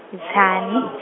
-tsani.